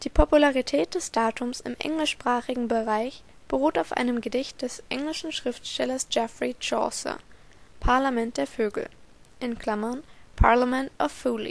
Popularität des Datums im englischsprachigen Bereich beruht auf einem Gedicht des englischen Schriftstellers Geoffrey Chaucer, „ Parlament der Vögel “(Parlement of Foul